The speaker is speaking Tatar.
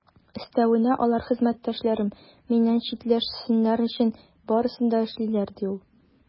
Өстәвенә, алар хезмәттәшләрем миннән читләшсеннәр өчен барысын да эшлиләр, - ди ул.